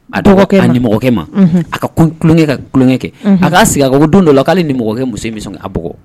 A dɔgɔkɛ' nikɛ ma a ka kun kukɛ ka tulonkɛ a'a sigi ka don dɔ la k'ale nikɛ muso min sɔn a bɔɔ